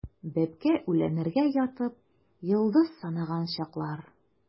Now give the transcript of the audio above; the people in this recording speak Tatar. Бәбкә үләннәргә ятып, йолдыз санаган чаклар.